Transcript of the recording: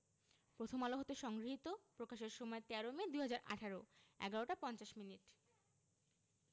প্রথম আলো হতে সংগৃহীত প্রকাশের সময় ১৩ মে ২০১৮ ১১ টা ৫০ মিনিট